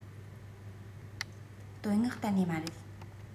བསྟོད བསྔགས གཏན ནས མ རེད